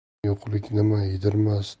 yo'qlik nima yedirmas